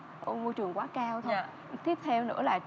ở môi trường quá cao thôi tiếp theo nữa là